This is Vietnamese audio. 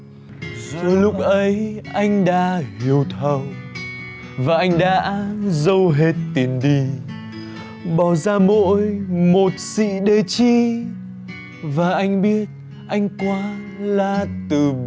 rồi lúc ấy anh đã hiểu thấu và anh đã giấu hết tiền đi bỏ ra mỗi một xì để chi và anh biết anh quá là từ